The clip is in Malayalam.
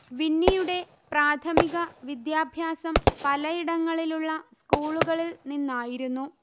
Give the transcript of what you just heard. വിന്നിയുടെ പ്രാഥമിക വിദ്യാഭ്യാസം പലയിടങ്ങളിലുള്ള സ്കൂളുകളിൽ നിന്നായിരുന്നു